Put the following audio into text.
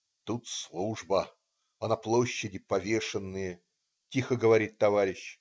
"Тут служба, а на площади повешенные",- тихо говорит товарищ.